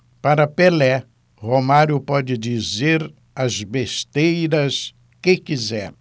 para pelé romário pode dizer as besteiras que quiser